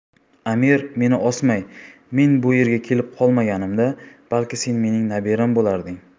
amir meni osmay men bu yerga kelib qolmaganimda balki sen mening nabiram bo'larding